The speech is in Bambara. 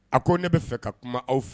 A ko ne bɛ fɛ ka kuma aw fɛ